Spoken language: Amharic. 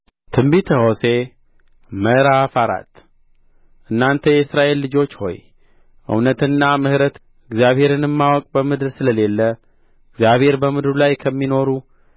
ትንቢተ ሆሴዕ ምዕራፍ አራት እናንተ የእስራኤል ልጆች ሆይ እውነትና ምሕረት እግዚአብሔርንም ማወቅ በምድር ስለሌለ እግዚአብሔር በምድሩ ላይ ከሚኖሩ